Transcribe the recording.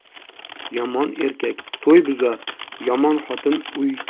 yomon erkak to'y buzar yomon xotin uy